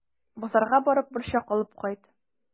Базарга барып, борчак алып кайт.